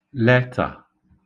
letà